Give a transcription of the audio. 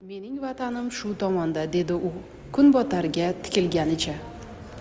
mening vatanim shu tomonda dedi u kunbotarga tikilganicha